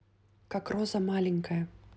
как роза маленькая